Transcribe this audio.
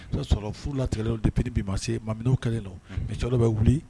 O sɔrɔ furu latigɛ depri bi ma se maminw kɛlen mɛ cɛkɔrɔba bɛ wuli